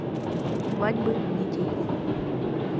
свадьбы детей